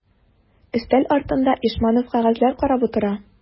Өстәл артында Ишманов кәгазьләр карап утыра.